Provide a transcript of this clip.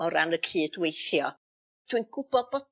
o ran y cydweithio. Dwi'n gwbod bod...